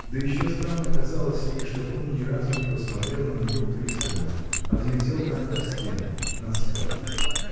Да еще странно казалось ей, что он ни разу не посмотрел на нее пристально, а глядел как на стену, на скатерть.